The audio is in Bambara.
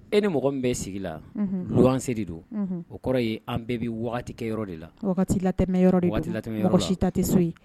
E ni mɔgɔ min bɛ sigi la luwanse de don o kɔrɔ ye an bɛɛ bɛ wagatikɛ yɔrɔ de la o wagati lat yɔrɔ latɛ ko si ta tɛ so